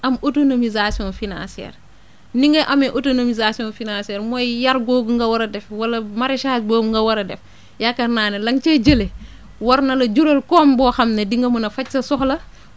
am autonomisation financière ni ngay amee autonomisation financière mooy yar googu nga war a def wala maraichage boobu nga war a def yaakaar naa ne la nga cey jëlee war na la jural koom boo xam ne di nga mën a faj sa soxla